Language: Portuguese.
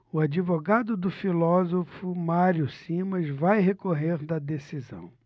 o advogado do filósofo mário simas vai recorrer da decisão